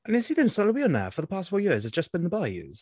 Wnes i ddim sylwi hwnna, for the past four years, it's just been the boys?